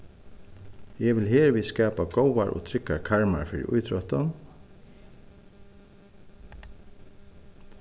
eg vil her við skapa góðar og tryggar karmar fyri ítróttin